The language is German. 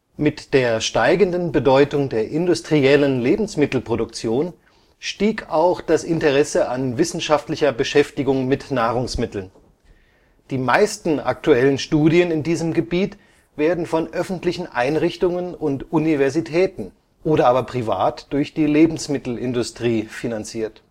Mit der steigenden Bedeutung der industriellen Lebensmittelproduktion stieg auch das Interesse an wissenschaftlicher Beschäftigung mit Nahrungsmitteln. Die meisten aktuellen Studien in diesem Gebiet werden von öffentlichen Einrichtungen und Universitäten oder aber privat durch die Lebensmittelindustrie finanziert